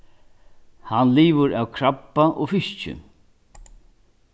hann livur av krabba og fiski